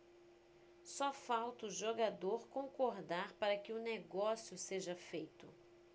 só falta o jogador concordar para que o negócio seja feito